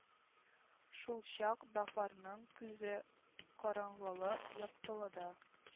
Шулчак дафарның күзе караңгылы-яктылыда